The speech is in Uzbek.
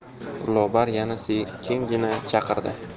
lobar yana sekingina chaqirdi